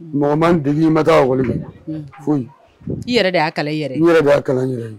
Mɔgɔ n denkɛ ma taa i yɛrɛ de y'a kalan yɛrɛ